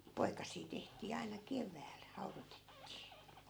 ja poikasia tehtiin aina keväällä haudotettiin